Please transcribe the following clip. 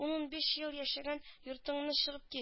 Ун-унбиш ел яшәгән йортыңнан чыгы